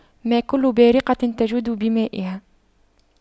ما كل بارقة تجود بمائها